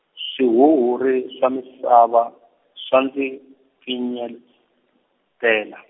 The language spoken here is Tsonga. swihuhuri swa misava, swa ndzi, pfinyel-, tela.